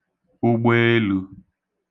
ụgbeelū